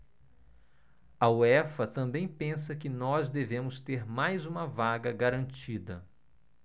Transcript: a uefa também pensa que nós devemos ter mais uma vaga garantida